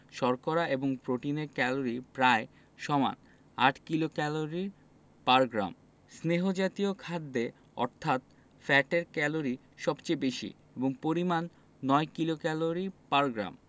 শর্করা এবং প্রোটিনে ক্যালরি প্রায় সমান ৮ কিলোক্যালরি পার গ্রাম স্নেহ জাতীয় খাদ্যে অর্থাৎ ফ্যাটের ক্যালরি সবচেয়ে বেশি এবং পরিমান ৯ কিলোক্যালরি পার গ্রাম